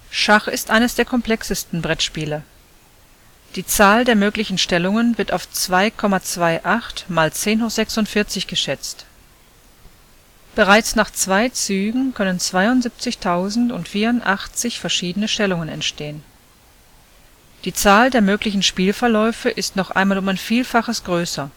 Schach ist eines der komplexesten Brettspiele. Die Zahl der möglichen Stellungen wird auf 2,28 · 1046 geschätzt. Bereits nach zwei Zügen können 72.084 verschiedene Stellungen entstehen. Die Zahl der möglichen Spielverläufe ist noch einmal um ein Vielfaches größer